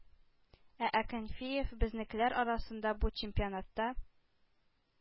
Ә Акинфеев – безнекеләр арасында бу чемпионатта